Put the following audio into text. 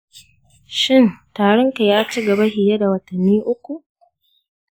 shin tarinka ya cigaba fiye da watanni uku?